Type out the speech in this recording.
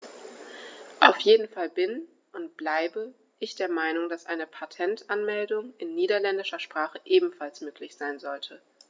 Auf jeden Fall bin - und bleibe - ich der Meinung, dass eine Patentanmeldung in niederländischer Sprache ebenfalls möglich sein sollte.